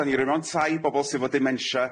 'dan ni'n roi mewn tai bobol sydd efo dementia.